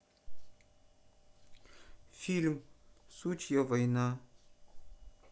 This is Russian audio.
фильм сучья война